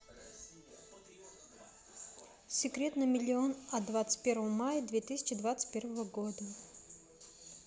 секрет на миллион от двадцать первого мая две тысячи двадцать первого года